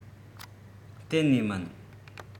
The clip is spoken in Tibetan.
གཏན ནས མིན